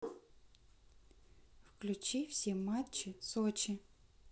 включи все матчи сочи